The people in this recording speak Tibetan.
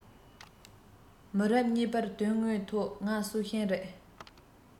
མི རབས གཉིས པར དོན དངོས ཐོག ང སྲོག ཤིང རེད